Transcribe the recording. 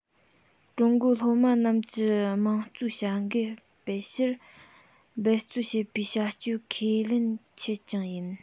ཀྲུང གོའི སློབ མ རྣམས ཀྱི དམངས གཙོའི བྱ འགུལ སྤེལ ཕྱིར འབད བརྩོན བྱེད པའི བྱ སྤྱོད ཁས ལེན ཆེད ཀྱང ཡིན